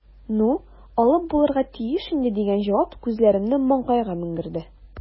"ну, алып булырга тиеш инде", – дигән җавап күзләремне маңгайга менгерде.